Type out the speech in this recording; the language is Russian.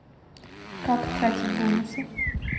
как тратить бонусы